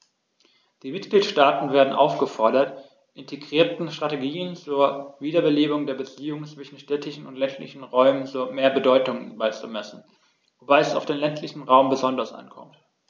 Die Mitgliedstaaten werden aufgefordert, integrierten Strategien zur Wiederbelebung der Beziehungen zwischen städtischen und ländlichen Räumen mehr Bedeutung beizumessen, wobei es auf den ländlichen Raum besonders ankommt.